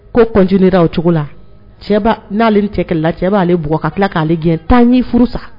Ko kɔnj o cogo la n'ale cɛla cɛba'ale bugka tila k'ale gɛn tan n ɲɛ furu sa